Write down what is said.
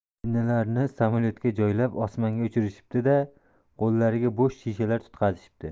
jinnilarni samolyotga joylab osmonga uchirishibdi da qo'llariga bo'sh shishalar tutqazishibdi